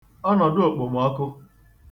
ọnọ̀dụòkpòmọkụ